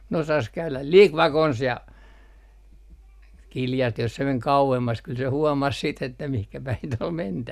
ne osasi käydä liki vakonsa ja kiljaistiin jos se meni kauemmas kyllä se huomasi sitten että mihin päin sitä oli mentävä